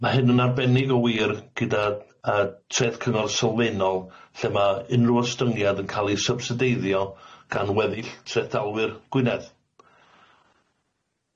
Ma' hyn yn arbennig o wir gyda yy treth cyngor sylfaenol lle ma' unryw ostyngiad yn ca'l ei sybsideiddio gan weddill trethdalwyr Gwynedd.